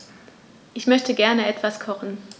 Ich möchte gerne etwas kochen.